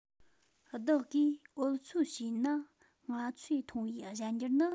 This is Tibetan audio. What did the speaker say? བདག གིས འོལ ཚོད བྱས ན ང ཚོས མཐོང བའི གཞན འགྱུར ནི